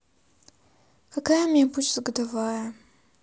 какая у меня будет годовая